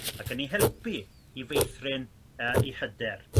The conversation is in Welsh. ac yn i helpu i feithrin yy i hyder.